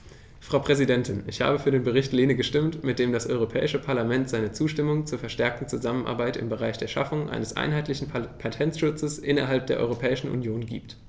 Frau Präsidentin, ich habe für den Bericht Lehne gestimmt, mit dem das Europäische Parlament seine Zustimmung zur verstärkten Zusammenarbeit im Bereich der Schaffung eines einheitlichen Patentschutzes innerhalb der Europäischen Union gibt.